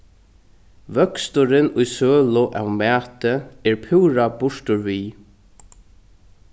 vøksturin í sølu av mati er púra burturvið